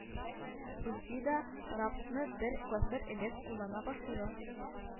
Русиядә рапсны бер гасыр элек куллана башлыйлар